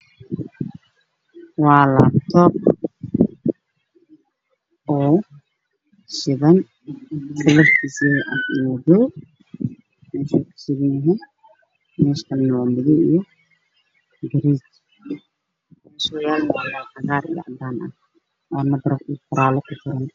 Waa laaftaab ama computer midabkiis yahay madow cadaan waxa uu saaran yahay meel caddaan